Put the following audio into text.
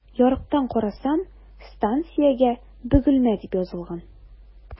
Ярыктан карасам, станциягә “Бөгелмә” дип язылган.